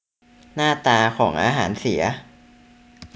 หน้าตาของอาหารเสีย